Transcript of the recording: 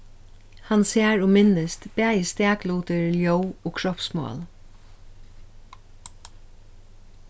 hann sær og minnist bæði staklutir ljóð og kropsmál